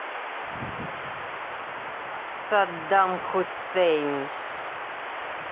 саддам хусейн